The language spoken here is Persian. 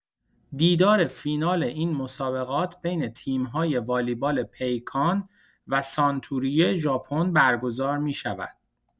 دیدار فینال این مسابقات بین تیم‌های والیبال پیکان و سانتوری ژاپن برگزار می‌شود.